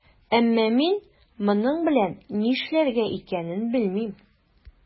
Әмма мин моның белән нишләргә икәнен белмим.